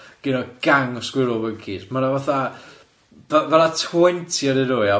gynna gang of squirrel monkeys ma' na fatha f- ma' na twenty o'nyn nw ia.